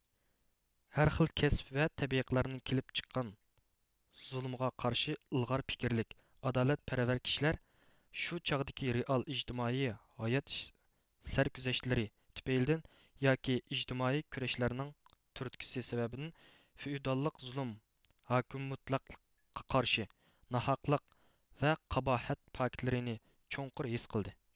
ھەر خىل كەسىپ ۋە تەبىقىلەردىن كېلىپ چىققان زۇلۇمغا قارشى ئىلغار پىكىرلىك ئادالەتپەرۋەر كىشىلەر شۇ چاغدىكى رېئال ئىجتىمائىي ھايات سەرگۈزەشتىلىرى تۈپەيلىدىن ياكى ئىجتىمائىي كۈرەشلەرنىڭ تۈرتكىسى سەۋەبىدىن فېئوداللىق زۇلۇم ھاكىممۇتلەقلىققا قارشى ناھەقلىق ۋە قاباھەت پاكىتلىرىنى چوڭقۇر ھېس قىلدى